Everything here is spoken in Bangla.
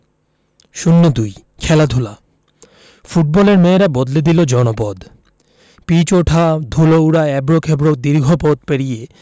০২ খেলাধুলা ফুটবলের মেয়েরা বদলে দিল জনপদ পিচ ওঠা ধুলো ওড়া এবড়োখেবড়ো দীর্ঘ পথ পেরিয়ে